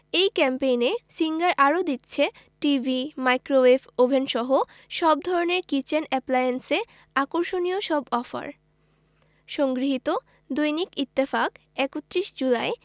এই ক্যাম্পেইনে সিঙ্গার আরো দিচ্ছে টিভি মাইক্রোওয়েভ ওভেনসহ সব ধরনের কিচেন অ্যাপ্লায়েন্সে আকর্ষণীয় সব অফার সংগৃহীত দৈনিক ইত্তেফাক ৩১ জুলাই